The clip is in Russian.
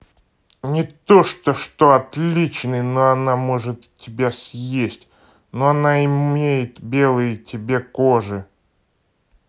не то что что отличный но она может тебя съесть но она имеет белые тебе кожи